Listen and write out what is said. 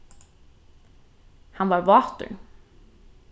hann var vátur